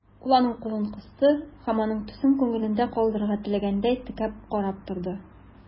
Ул аның кулын кысты һәм, аның төсен күңелендә калдырырга теләгәндәй, текәп карап торды.